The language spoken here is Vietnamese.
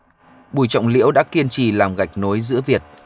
bùi trọng liễu đã kiên trì làm gạch nối giữa việt